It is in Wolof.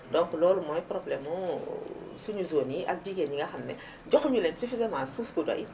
donc loolu mooy problème mu suñu zones yi ak jigéen ñi nga xam ne joxuñu leen suffisament suuf bu doy